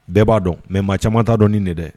Bɛɛ b'a dɔn mɛ ma caman ta dɔn nin de dɛ